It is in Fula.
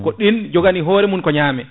ko ɗin jogani hoore mun ko ñami